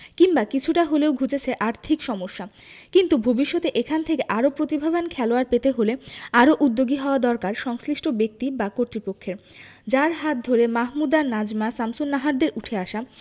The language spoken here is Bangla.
কিংবা কিছুটা হলেও ঘুচেছে আর্থিক সমস্যা কিন্তু ভবিষ্যতে এখান থেকে আরও প্রতিভাবান খেলোয়াড় পেতে হলে আরও উদ্যোগী হওয়া দরকার সংশ্লিষ্ট ব্যক্তি বা কর্তৃপক্ষের যাঁর হাত ধরে মাহমুদা নাজমা শামসুন্নাহারদের উঠে আসা